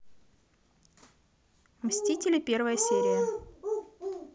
мстители первая серия